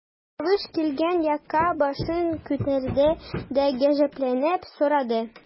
Тавыш килгән якка башын күтәрде дә, гаҗәпләнеп сорады.